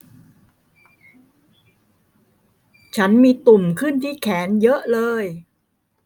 ฉันมีตุ่มขึ้นที่แขนเยอะเลย